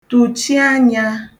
tụ̀chi anyā